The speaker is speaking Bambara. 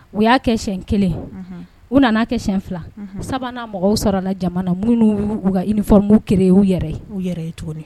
U y'a kɛ sɛ kelen u nana kɛɛn fila u sabanan mɔgɔw sɔrɔla jamana minnu u kafɔw ke u yɛrɛ u cogo